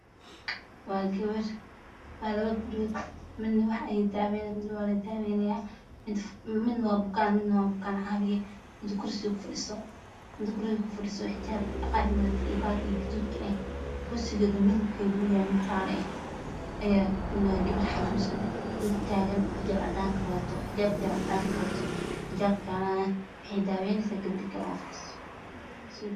Waa labo gabdhood mid waa bukaan midna waa bukaan caawiye. Mida kursiga kufadhiso oo xijaab qaxwi wadato iyo baatiga gaduudan kursigana waa jaale waa gabar xanuunsan mid taagan oo xijaabka yar oo cad wadato waxay daawayneysaa mida xanuunsan.